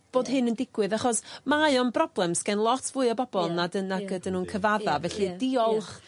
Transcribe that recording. bod hyn yn digwydd achos mae o'n broblem sgen lot fwy o bobol nad 'yn nac ydyn nw'n cyfadda felly diolch